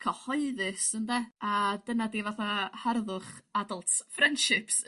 cyhoeddus ynde a dyna 'di fatha harddwch adults friendships...